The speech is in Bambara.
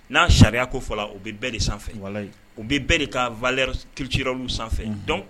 N'a sariya ko fɔ u bɛ bɛɛ de sanfɛ u bɛ bɛɛ de ka v kiriciw sanfɛ dɔn